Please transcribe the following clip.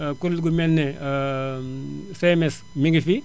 kuréel gu mel ne CMS mi ngi fi